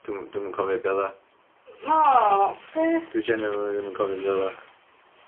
Dw'm dwi'm yn cofio be' 'o'dd o. O beth? Dwi genuinely ddim yn cofio be' o'dd o.